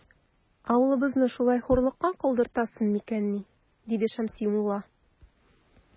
Авылыбызны шулай хурлыкка калдыртасың микәнни? - диде Шәмси мулла.